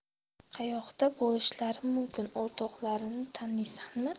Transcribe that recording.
qayoqda bo'lishlari mumkin o'rtoqlarini taniysanmi